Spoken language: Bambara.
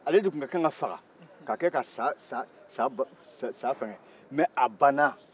ale de tun ka kan ka faga k'a kɛ sa fɛn kɛ mɛ a banna